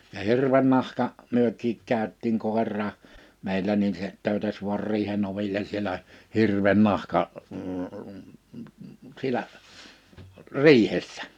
ja hirven nahka mekin käytiin koirakin meillä niin se töytäsi vain riihen oville siellä hirven nahka siellä riihessä